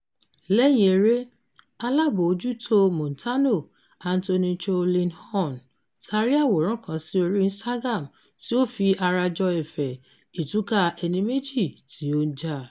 Lẹ́yìn eré, alábòójútó Montano, Anthony Chow Lin On, tari àwòrán kan sí orí Instagram tí ó fi ara jọ ẹ̀fẹ̀ ìtúká ẹni méjì tí ó ń jà: